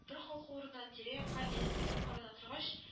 Бер калку урыннан тирә-якка әйләнгәнләп карана торгач